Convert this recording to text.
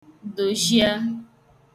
dòjhia